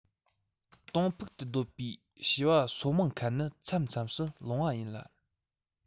དོང ཕུག དུ སྡོད པའི བྱི བ སོ མང ཁ ནི མཚམས མཚམས སུ ལོང བ ཡིན ལ